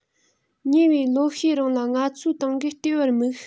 ཉེ བའི ལོ ཤས རིང ལ ང ཚོའི ཏང གིས ལྟེ བར དམིགས